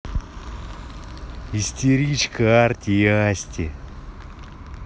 истеричка artik и asti